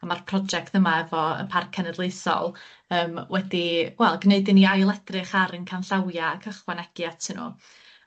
a ma'r project yma efo y Parc Cenedlaethol yym wedi, wel, gneud i ni ail-edrych ar 'yn canllawia ac ychwanegi atyn nw.